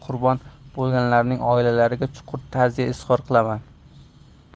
qurbon bo'lganlarning oilalariga chuqur ta'ziya izhor qilaman